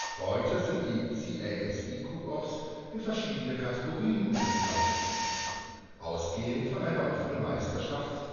Heute sind die CASI Cook Offs in verschiedene Kategorien unterteilt, ausgehend von einer offenen Meisterschaft